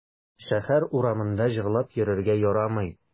Шәһәр урамында җырлап йөрергә ярамый.